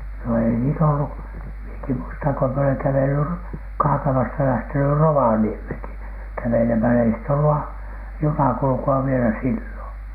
no ei niitä ollut minäkin muistan kun minä olen kävellyt - Kaakamasta lähtenyt Rovaniemellekin kävelemällä ei sitten ollut - junakulkua vielä silloin